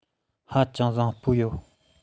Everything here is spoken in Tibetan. ཧ ཅང བཟང པོ ཡོད